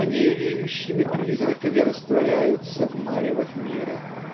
они реющими призраками растворяются в маревах мира.